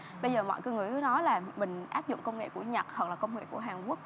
bây giờ mọi người cứ nói là mình áp dụng công nghệ của nhật hoặc là công nghệ của hàn quốc